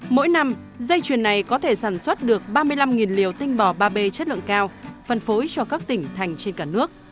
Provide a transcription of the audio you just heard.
mỗi năm dây chuyền này có thể sản xuất được ba mươi lăm nghìn liều tinh bò ba bê chất lượng cao phân phối cho các tỉnh thành trên cả nước